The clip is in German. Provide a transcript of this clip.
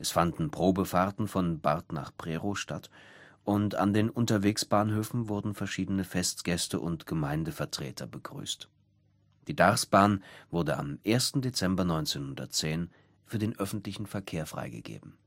fanden Probefahrten von Barth nach Prerow statt und an den Bahnhöfen unterwegs wurden Festgäste und Gemeindevertreter begrüßt. Die Darßbahn wurde am 1. Dezember 1910 für den öffentlichen Verkehr freigegeben